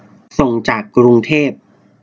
ส่งจากกรุงเทพ